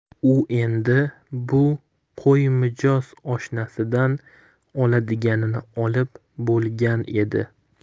u endi bu qo'y mijoz oshnasidan oladiganini olib bo'lgan edi